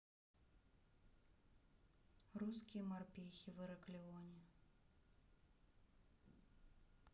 русские морпехи в ираклионе